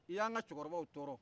i y'anka cɛkɔrɔbaw tɔɔrɔ